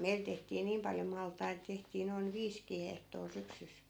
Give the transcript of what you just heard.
meillä tehtiin niin paljon maltaita tehtiin noin viisikin hehtoa syksyssä